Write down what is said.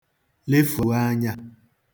lefùo anyā